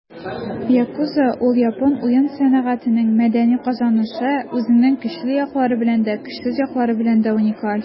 Yakuza - ул япон уен сәнәгатенең мәдәни казанышы, үзенең көчле яклары белән дә, көчсез яклары белән дә уникаль.